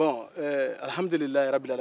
alhamdulilayi rabil alamiina